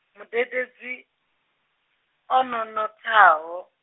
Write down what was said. mudededzi, o no nothaho.